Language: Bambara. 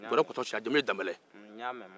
gɔdɛ gɔdɔsi a jamu ye danbɛlɛ